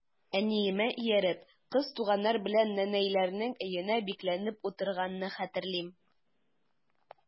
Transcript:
Әниемә ияреп, кыз туганнар белән нәнәйләрнең өендә бикләнеп утырганны хәтерлим.